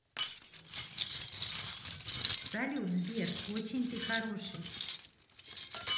салют сбер очень ты хороший